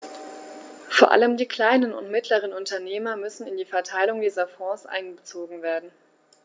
Vor allem die kleinen und mittleren Unternehmer müssen in die Verteilung dieser Fonds einbezogen werden.